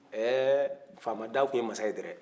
ɛɛ faama da tun ye mansa ye dɛ